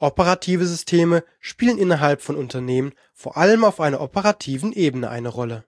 Operative Systeme spielen innerhalb von Unternehmen vor allem auf einer operativen Ebene eine Rolle.